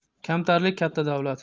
kamtarlik katta davlat